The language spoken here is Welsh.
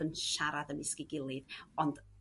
yn siarad ymysg'i gilydd ond